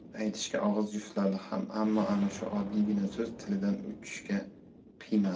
aytishga og'iz juftladi ham ammo ana shu oddiygina so'z tilidan uchishga qiynaldi